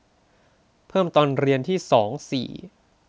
เพิ่มตอนเรียนที่สองสี่